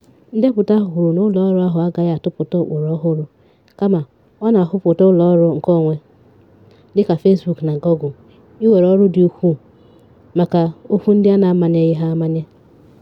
Ndepụta ahụ kwuru na Ụlọọrụ ahụ agaghị atụpụta ụkpụrụ ọhụrụ, kama ọ na-ahụpụta ụlọọrụ nkeonwe dịka Facebook na Google iwere ọrụ dị ukwuu maka okwu ndị a n'amanyeghị ha amanye.